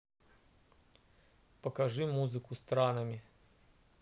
покажи музыку странами